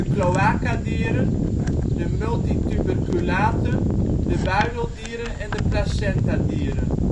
cloacadieren, de multituberculaten, de buideldieren en de placentadieren